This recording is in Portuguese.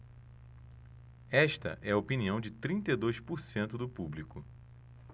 esta é a opinião de trinta e dois por cento do público